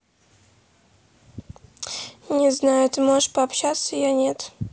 не знаю ты можешь пообщаться я нет